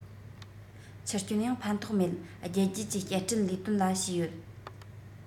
ཆུ སྐྱོན ཡང ཕན ཐོགས མེད བརྒྱད བརྒྱད ཀྱི བསྐྱར སྐྲུན ལས དོན ལ བྱས ཡོད